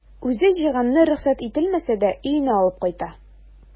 Үзе җыйганны рөхсәт ителмәсә дә өенә алып кайта.